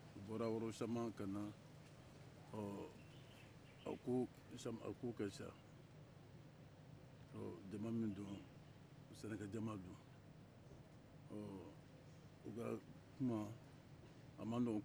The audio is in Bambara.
u bɔra worosama ka na ɔ a ko ka can ɔ jama min don sɛnɛkɛ jama don ɔ u ka kuma a ma nɔgɔn